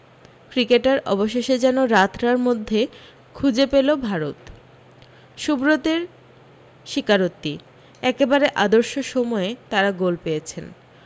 cricketer অবশেষে যেন রাতরার মধ্যে খুঁজে পেল ভারত সুব্রতের স্বীকারোক্তি একেবারে আদর্শ সময়ে তারা গোল পেয়েছেন